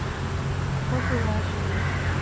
кто была жена